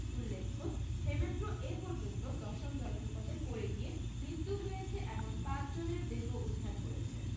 উল্লেখ্য হেমেন্দ্র এ পর্যন্ত দশম জলপ্রপাতে পড়ে গিয়ে মৃত্যু হয়েছে এমন পাঁচজনের দেহ উদ্ধার করেছেন